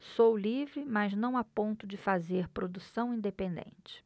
sou livre mas não a ponto de fazer produção independente